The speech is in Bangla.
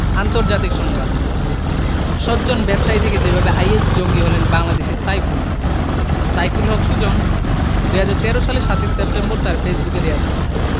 আন্তর্জাতিক সংবাদ সজ্জন ব্যবসায়ী থেকে যেভাবে আইএস জঙ্গি হলেন বাংলাদেশি সাইফুল সাইফুল হক সুজন ২০১৩ সালের ৭ ই সেপ্টেম্বর তাঁর ফেসবুকে দেওয়া ছবি